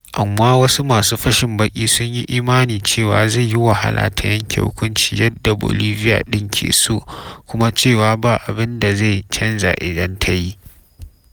Amma wasu masu fashin baƙi sun yi imani cewa zai yi wahala ta yanke hukunci yadda Bolivia ɗin ke so - kuma cewa ba abin da zai canza idan ta yi.